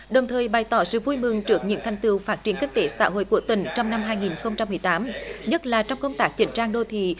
đồng thời bày tỏ sự vui mừng trước những thành tựu phát triển kinh tế xã hội của tỉnh trong năm hai nghìn không trăm mười tám nhất là trong công tác chỉnh trang đô thị